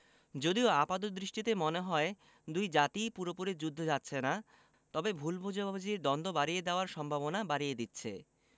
যদিও আপাতদৃষ্টিতে মনে হয় দুই জাতিই পুরোপুরি যুদ্ধ চাচ্ছে না তবে ভুল বোঝাবুঝি দ্বন্দ্ব বাড়িয়ে দেওয়ার সম্ভাবনা বাড়িয়ে দিচ্ছে